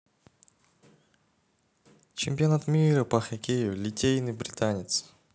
чемпионат мира по хоккею литейный британец